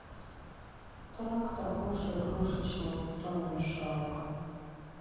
трактор гоша игрушечный и бетономешалка